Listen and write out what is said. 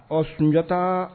Ɔ sunjatayɛta